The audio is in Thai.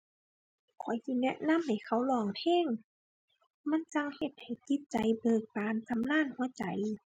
ข้อยสิแนะนำให้เขาร้องเพลง มันจั่งเฮ็ดให้จิตใจเบิกบานสำราญหัวใจ